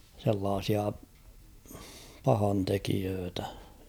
sellaisia pahantekijöitä